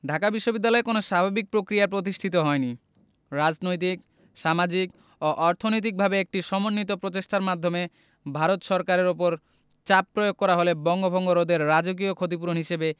ঢাকা বিশ্ববিদ্যালয় কোনো স্বাভাবিক প্রক্রিয়ায় প্রতিষ্ঠিত হয়নি রাজনৈতিক সামাজিক ও অর্থনৈতিকভাবে একটি সমন্বিত প্রচেষ্টার মাধ্যমে ভারত সরকারের ওপর চাপ প্রয়োগ করা হলে বঙ্গভঙ্গ রদের রাজকীয় ক্ষতিপূরণ হিসেবে